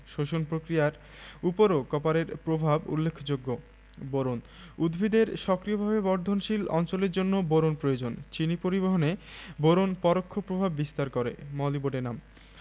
শ্বসন পক্রিয়ার উপরও কপারের প্রভাব উল্লেখযোগ্য বোরন উদ্ভিদের সক্রিয়ভাবে বর্ধনশীল অঞ্চলের জন্য বোরন প্রয়োজন চিনি পরিবহনে বোরন পরোক্ষ প্রভাব বিস্তার করে মোলিবডেনাম